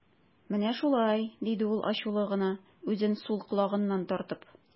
Менә шулай, - диде ул ачулы гына, үзен сул колагыннан тартып.